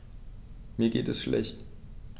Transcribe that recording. Mir geht es schlecht.